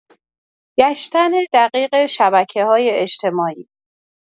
گشتن دقیق شبکه‌های اجتماعی